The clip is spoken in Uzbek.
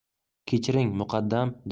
kechiring muqaddam dedi